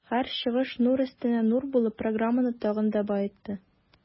Һәр чыгыш нур өстенә нур булып, программаны тагын да баетты.